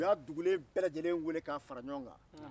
u y'a dugulen bɛɛ lajɛlen wele ka fara ɲɔɔn kan